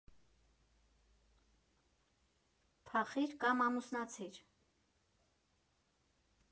Փախիր կամ ամուսնացիր։